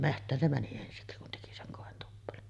metsään se meni ensiksi kun teki sen kointuppelon